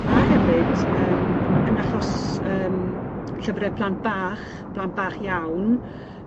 a hefyd yym yn achos yym llyfre plant bach, plant bach iawn